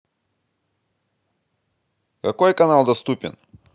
какой канал доступен